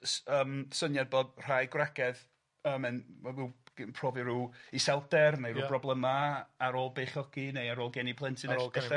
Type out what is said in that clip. s- yym syniad bod rhai gwragedd yym yn wel w- yn profi ryw iselder neu ryw broblema ar ôl beichiogi neu ar ôl geni plentyn ell- ella.